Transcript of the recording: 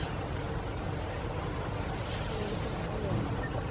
на ютуб акуленок